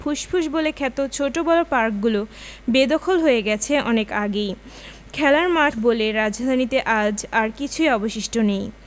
ফুসফুস বলে খ্যাত ছোট বড় পার্কগুলো বেদখল হয়ে গেছে অনেক আগেই খেলার মাঠ বলে রাজধানীতে আজ আর কিছু অবশিষ্ট নেই